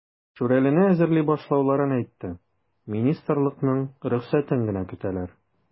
"шүрәле"не әзерли башлауларын әйтте, министрлыкның рөхсәтен генә көтәләр.